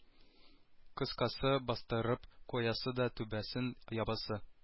Кыскасы бастырып куясы да түбәсен ябасы